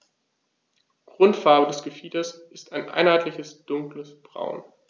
Grundfarbe des Gefieders ist ein einheitliches dunkles Braun.